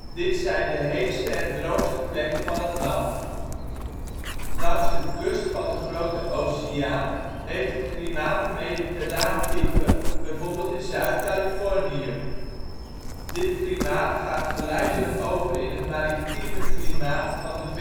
Dit zijn de heetste en droogste plekken van het land. Langs de pacifische kust heeft het klimaat een mediterraan-type (bijvoorbeeld in Zuid-Californië). Dit klimaat gaat geleidelijk over in het maritieme klimaat van de